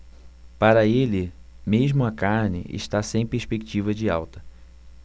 para ele mesmo a carne está sem perspectiva de alta